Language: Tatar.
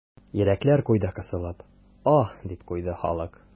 Йөрәкләр куйды кысылып, аһ, дип куйды халык.